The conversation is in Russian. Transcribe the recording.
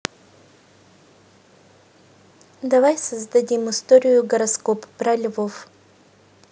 давай создадим историю гороскоп про львов